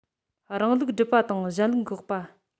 རང ལུགས སྒྲུབ པ དང གཞན ལུགས འགོག པ